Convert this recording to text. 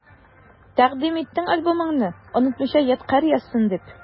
Тәкъдим иттең альбомыңны, онытмыйча ядкарь язсын дип.